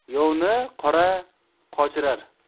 yovni qora qochirar